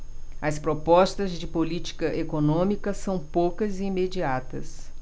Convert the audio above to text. as propostas de política econômica são poucas e imediatas